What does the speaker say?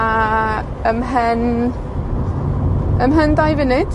A ymhen, ymhen dau funud,